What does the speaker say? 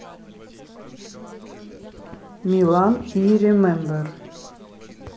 милан i remember